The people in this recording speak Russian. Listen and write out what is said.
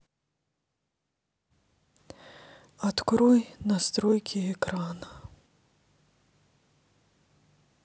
открой настройки экрана